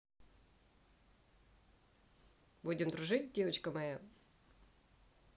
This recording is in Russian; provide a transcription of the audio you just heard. будем дружить девочка моя